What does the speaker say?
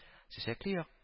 Чәчәкле як